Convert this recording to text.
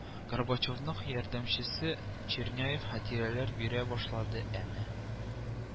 Горбачевның ярдәмчесе Черняев хатирәләр бирә башлады әнә